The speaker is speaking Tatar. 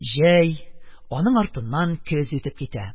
Җәй, аның артыннан көз үтеп китә.